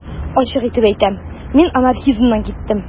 Ачык итеп әйтәм: мин анархизмнан киттем.